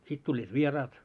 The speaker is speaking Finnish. sitten tulivat vieraat